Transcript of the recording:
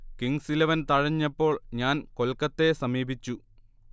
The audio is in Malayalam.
കിംഗ്സ് ഇലവൻ തഴഞ്ഞപ്പോൾ ഞാൻ കൊൽക്കത്തയെ സമീപിച്ചു